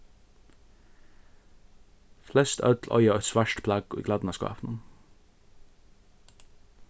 flest øll eiga eitt svart plagg í klædnaskápinum